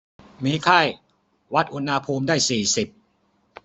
มีไข้วัดอุณหภูมิได้สี่สิบ